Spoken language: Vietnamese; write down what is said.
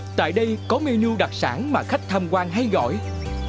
tại đây có mê nu đặc sản mà khách tham quan hay gọi